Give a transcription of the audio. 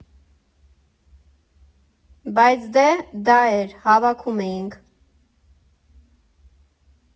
Բայց դե՝ դա էր, հավաքում էինք։